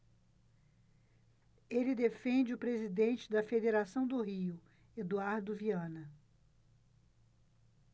ele defende o presidente da federação do rio eduardo viana